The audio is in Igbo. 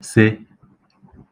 sē